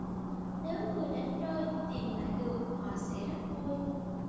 nếu người đánh rơi tìm lại được họ sẽ rất vui